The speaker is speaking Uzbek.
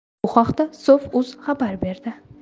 bu haqda sof uz xabar berdi